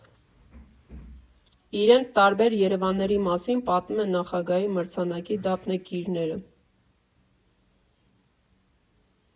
Իրենց տարբեր Երևանների մասին պատմում են Նախագահի մրցանակի դափնեկիրները։